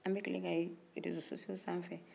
an bɛ tilen ka ye reseaux sociaux snfɛ